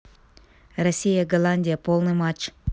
россия голландия полный матч